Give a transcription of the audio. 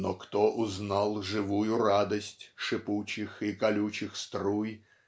Но кто узнал живую радость Шипучих и колючих струй